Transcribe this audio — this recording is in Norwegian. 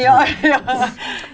ja ja.